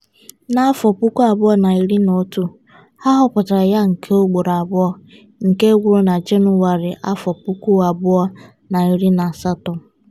Na 2011, a họpụtara ya nke ugboro abụọ, nke gwụrụ na Janụwarị 2018.